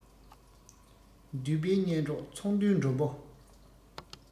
འདུས པའི གཉེན གྲོགས ཚོང འདུས མགྲོན པོ